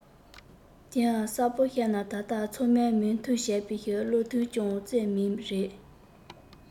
དེའང གསལ པོ བཤད ན ད ལྟ ཚང མས མོས མཐུན བྱས པའི བློ ཐུན ཅང ཙེ མིང རེད